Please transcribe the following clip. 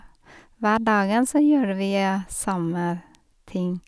Hver dagen så gjorde vi samme ting.